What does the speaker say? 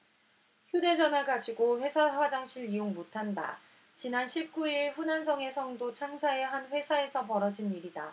휴대전화 가지고 회사 화장실 이용 못한다 지난 십 구 일 후난성의 성도 창사의 한 회사에서 벌어진 일이다